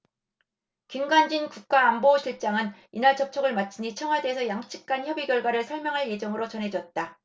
김관진 국가안보실장은 이날 접촉을 마친 뒤 청와대에서 양측간 협의 결과를 설명할 예정으로 전해졌다